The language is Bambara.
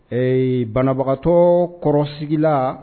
Ee banabagatɔ kɔrɔsigi la